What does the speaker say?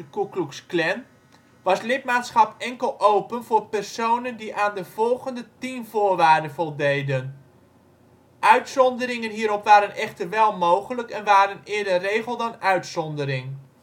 Ku Klux Klan, was lidmaatschap enkel open voor personen die aan de volgende tien voorwaarden voldeden. Uitzonderingen hierop waren echter wel mogelijk en waren eerder regel dan uitzondering